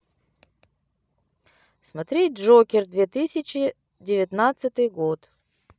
смотреть джокер две тысячи девятнадцатый год